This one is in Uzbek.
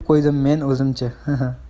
kulib qo'ydim men o'zimcha